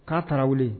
K'a Tarawele